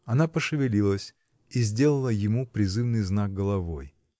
Она пошевелилась и сделала ему призывный знак головой.